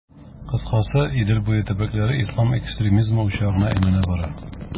Кыскасы, Идел буе төбәкләре ислам экстремизмы учагына әйләнә бара.